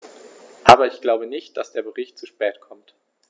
Aber ich glaube nicht, dass der Bericht zu spät kommt.